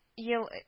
Ел